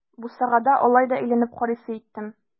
Бусагада алай да әйләнеп карыйсы иттем.